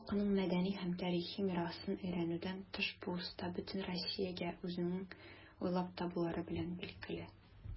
Үз халкының мәдәни һәм тарихи мирасын өйрәнүдән тыш, бу оста бөтен Россиягә үзенең уйлап табулары белән билгеле.